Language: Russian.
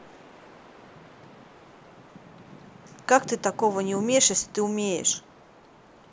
как ты такого не умеешь если ты умеешь